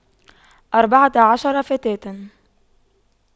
اربعة عشر فتاة